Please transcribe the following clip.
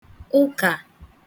ụkà